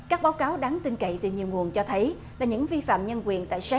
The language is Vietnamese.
các báo cáo đáng tin cậy từ nhiều nguồn cho thấy là những vi phạm nhân quyền tại séc